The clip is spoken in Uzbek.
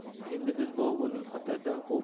endi biz boburning xatardan qo'rqib